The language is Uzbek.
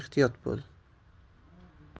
ham ehtiyot bo'l